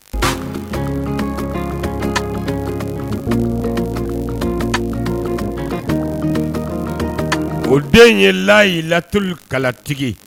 O den ye layi latlikalatigi